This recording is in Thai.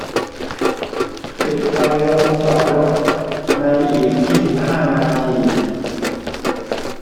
ปิดไฟโรงจอดรถในอีกยี่สิบห้านาที